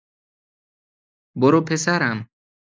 برو پسرم.